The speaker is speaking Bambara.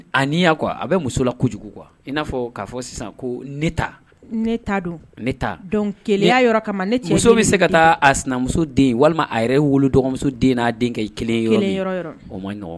A ninya quoi a bɛ muso la kojugu quoi in n'a fɔ k'a fɔ sisan ko ne ta, ne ta don, ne ta, donc keleya yɔrɔ kama muso bɛ se ka taa a sinamuso den walima a yɛrɛ wolo dɔgɔmuso den n'a den kɛ kelen ye yɔrɔ o man nɔgɔn